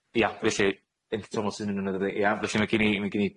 Ia, felly, . Ia? felly ma' gin i ma' gin i